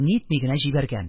Нитми генә җибәргән.